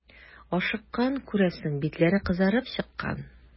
Ашыккан, күрәсең, битләре кызарып чыккан.